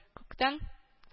Күктән